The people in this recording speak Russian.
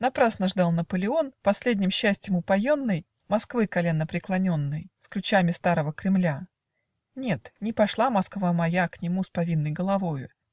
Напрасно ждал Наполеон, Последним счастьем упоенный, Москвы коленопреклоненной С ключами старого Кремля: Нет, не пошла Москва моя К нему с повинной головою.